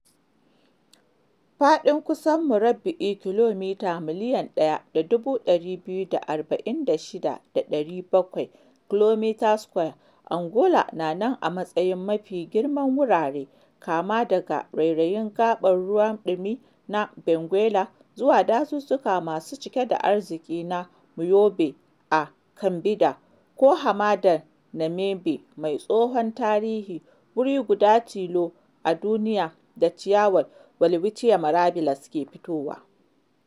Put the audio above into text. Faɗin kusan murabba'in kilomita 1,246,700 km², Angola tana nan a matsayin mafi girman wurare, kama daga rairayin gaɓar ruwan ɗimi na Benguela zuwa dazuzzuka masu cike da arziki na Maiombe a Cabinda ko hamadar Namibe mai tsohon tarihi, wuri guda tilo a duniya da ciyawar welwitschia mirabilis ke tsirowa .